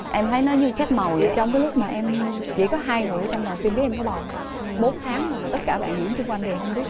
em thấy nó như phép mầu trong cái lúc mà em chỉ có hai người trong lò phim biết em có bầu thôi bốn tháng mà thất cả bạn diễn chung quanh đều hông biết